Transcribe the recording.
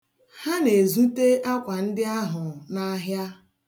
Ha na-ezute akwa ndị ahụ n'ahịa.